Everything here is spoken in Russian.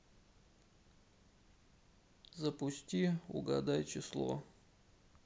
запусти угадай число